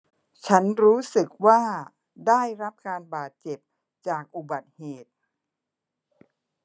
ฉันรู้สึกว่าได้รับการบาดเจ็บจากอุบัติเหตุ